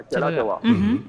A diyara ye wa